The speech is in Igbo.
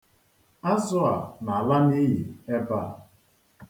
Azụ a na-ala n'iyi ebe a.